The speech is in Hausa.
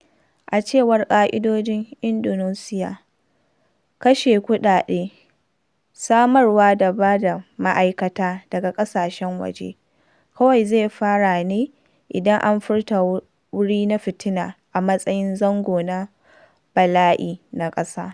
A cewar ƙa’idojin Indonesiya, kashe kuɗaɗe, samarwa da ba da ma’aikata daga ƙasashen waje kawai zai fara ne idan an furta wuri na fitina a matsayin zango na bala’i na ƙasa.